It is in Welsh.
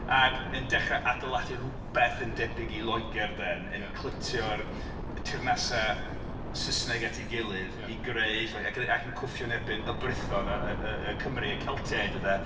Ac yn dechrau adeiladu rhywbeth yn debyg i Loegr 'de, yn... yn clytio'r teyrnasau Saesneg at ei gilydd i greu... ac yn cwffio'n erbyn y Brython y... y... Cymry, y Celtiaid 'de.